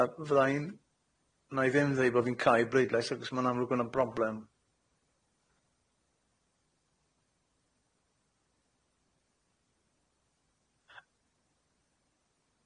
A- fyddai'n na'i ddim ddeu' bo' fi'n cau'r bleidlais achos ma'n amlwg ma' 'na broblem.